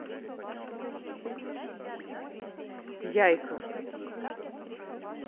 яйка